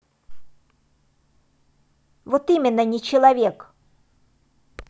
вот именно не человек